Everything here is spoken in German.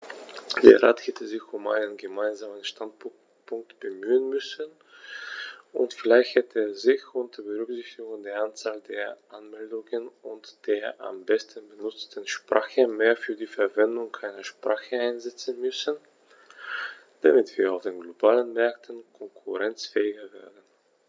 Der Rat hätte sich um einen gemeinsamen Standpunkt bemühen müssen, und vielleicht hätte er sich, unter Berücksichtigung der Anzahl der Anmeldungen und der am meisten benutzten Sprache, mehr für die Verwendung einer Sprache einsetzen müssen, damit wir auf den globalen Märkten konkurrenzfähiger werden.